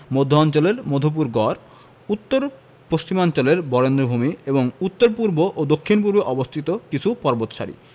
মধ্য অঞ্চলের মধুপুর গড় উত্তর পশ্চিমাঞ্চলের বরেন্দ্রভূমি এবং উত্তর পূর্ব ও দক্ষিণ পূর্বে অবস্থিত কিছু পর্বতসারি